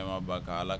' kan ala